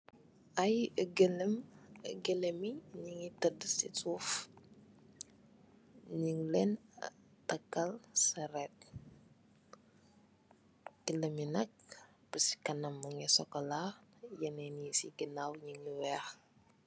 Ay gelem gelem yi nyugi teda si suuf nyung len takal saret gelem bi nak busi kanam mongi cxocola yenen yi si ganaw nyugi weex.